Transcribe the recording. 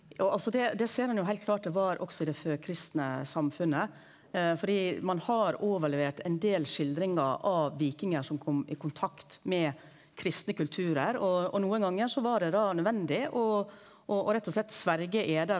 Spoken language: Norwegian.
jo altså det det ser ein jo heilt klart det var også i det førkristne samfunnet fordi ein har overlevert ein del skildringar av vikingar som kom i kontakt med kristne kulturar og og nokon gonger så var det da nødvendig å å rett og slett sverje eidar,